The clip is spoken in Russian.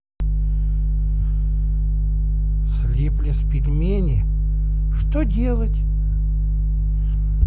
слиплись пельмени что делать